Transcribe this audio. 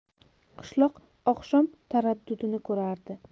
qishloq oqshom taraddudini ko'rardi